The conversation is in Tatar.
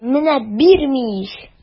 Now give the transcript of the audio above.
Менә бирми ич!